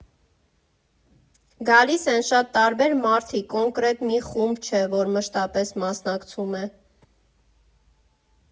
Գալիս են շատ տարբեր մարդիկ, կոնկրետ մի խումբ չէ, որ մշտապես մասնակցում է։